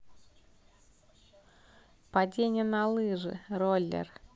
падение на лыжи роллер